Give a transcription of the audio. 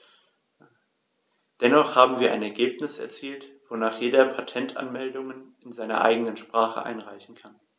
Dennoch haben wir ein Ergebnis erzielt, wonach jeder Patentanmeldungen in seiner eigenen Sprache einreichen kann.